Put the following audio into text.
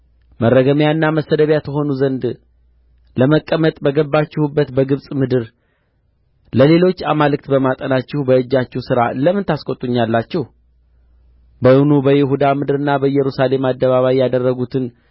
መረገሚያና መሰደቢያ ትሆኑ ዘንድ ለመቀመጥ በገባችሁባት በግብጽ ምድር ለሌሎች አማልክት በማጠናችሁ በእጃችሁ ሥራ ለምን ታስቈጡኛላችሁ በውኑ በይሁዳ ምድርና በኢየሩሳሌም አደባባይ ያደረጉትን